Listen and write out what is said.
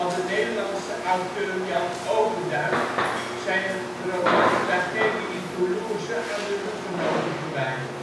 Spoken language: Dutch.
de Nederlandse auteur Jan Overduin zijn roman Tragedie in Toulouse aan de hugenoten gewijd